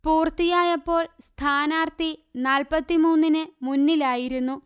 പൂർത്തിയായപ്പോൾ സ്ഥാനാർഥി നാല്പ്പത്തിമൂന്നിന് മുന്നിലായിരുന്നു